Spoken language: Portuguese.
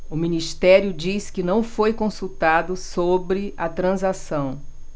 o ministério diz que não foi consultado sobre a transação